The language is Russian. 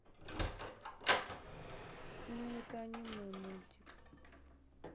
ну это аниме мультик